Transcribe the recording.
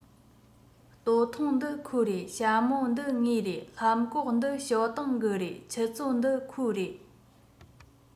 སྟོད ཐུང འདི ཁོའི རེད ཞྭ མོ འདི ངའི རེད ལྷམ གོག འདི ཞའོ ཏིང གི རེད ཆུ ཚོད འདི ཁོའི རེད